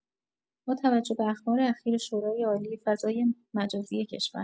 با توجه به اخبار اخیر شورای‌عالی فضای مجازی کشور